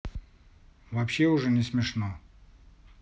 вообще уже не смешно